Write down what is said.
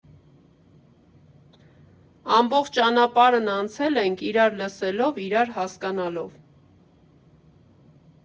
Ամբողջ ճանապարհն անցել ենք՝ իրար լսելով, իրար հասկանալով։